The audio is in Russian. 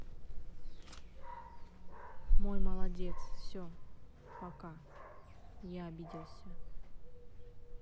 мой молодец все пока я обиделся